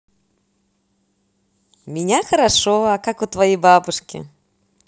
меня хорошо а как у твоей бабушки